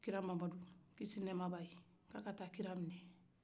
kira mahamadu kisi ni nɛma b'a ye